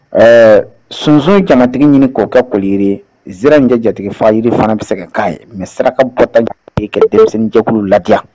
Ɛɛ sonsan in kɛmɛtigi ɲini k'o kɛ koliiri z in cɛ jatigifa yiri fana bɛ se ka k'a ye mɛ saraka bɔta ka denmisɛnninjɛkulu ladiya